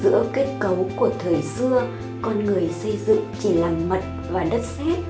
giữa kết cấu của thời xưa con người xây dựng chỉ là mật và đất sét